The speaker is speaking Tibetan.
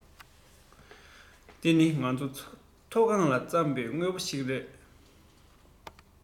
འདི ནི ང ཚོ འཐོ སྒང ལ འཚམས པས དངོས པོ ཞིག རེད